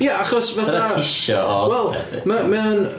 Ia, achos fatha... dyna ti isio o Odpeth ia... Mae o'n mae o'n...